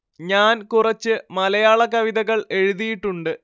ഞാൻ കുറച്ച് മലയാള കവിതകൾ എഴുതിയിട്ടുണ്ട്